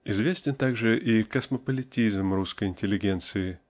Известен также и космополитизм русской интеллигенции .